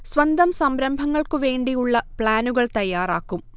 സ്വന്തം സംരംഭങ്ങൾക്ക് വേണ്ടി ഉള്ള പ്ലാനുകൾ തയ്യാറാക്കും